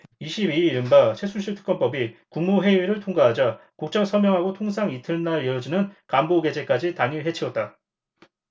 이십 이 일 이른바 최순실 특검법이 국무회의를 통과하자 곧장 서명하고 통상 이튿날 이뤄지는 관보게재까지 당일 해치웠다